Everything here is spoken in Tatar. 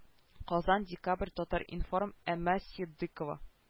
Казан декабрь татар-информ эмма ситдыйкова